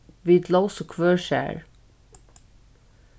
vit lósu hvør sær